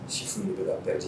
Si sun bɛɛ bɛ ka perdu